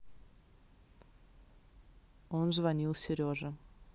он звонил сереже